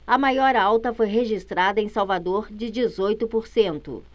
a maior alta foi registrada em salvador de dezoito por cento